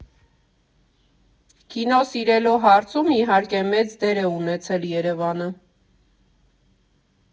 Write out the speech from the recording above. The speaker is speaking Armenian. Կինո սիրելու հարցում, իհարկե, մեծ դեր է ունեցել Երևանը։